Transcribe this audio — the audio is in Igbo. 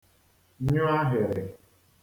nyụ ahị̀rị̀